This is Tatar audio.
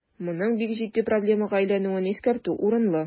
Моның бик җитди проблемага әйләнүен искәртү урынлы.